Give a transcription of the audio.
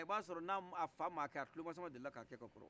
i b' a sɔrɔ ni a fa ma a kɛ a tulomasama delila ka a kɛ ka kɔrɔ